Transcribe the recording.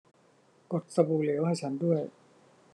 กดสบู่เหลวให้ฉันด้วย